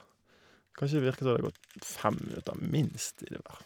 Kanskje det virker som det har gått fem minutter minst, i det verf.